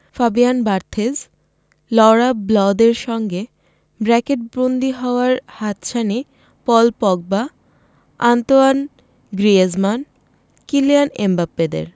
Fabien Barthez লঁরা ব্লদের সঙ্গে ব্র্যাকেটবন্দি হওয়ার হাতছানি Paul Pogba Antoine Griezmann Kylian এমবাপ্পেদের